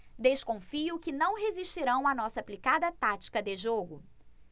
desconfio que não resistirão à nossa aplicada tática de jogo